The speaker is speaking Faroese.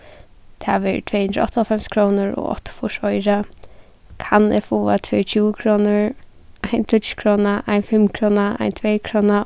tað verður tvey hundrað og áttaoghálvfems krónur og áttaogfýrs oyra kann eg fáa tvær tjúgukrónur ein tíggjukróna ein fimmkróna ein tveykróna